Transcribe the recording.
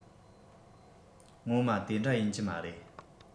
ངོ མ དེ འདྲ ཡིན གྱི མ རེད